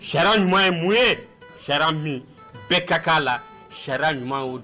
Sariya ɲuman ye mun ye ? Sariya mun bɛɛ ka kan a la, sariya ɲuman ye o de ye.